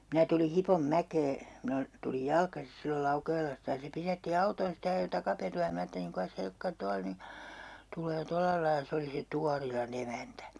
minä tuli Hiponmäkeen minä - tulin jalkaisin silloin Laukeelasta ja se pysäytti autonsa sitten ja ajoi takaperua ja minä ajattelin kukas helkkari tuolla nyt tulee tuolla lailla se oli se Tuorilan emäntä